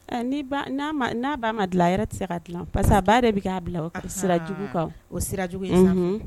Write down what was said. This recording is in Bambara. N'a b'a ma dilan a yɛrɛ tɛ se ka dilan parcesa a ba de bɛ k' aa bila sira jugu kan o sira jugu ye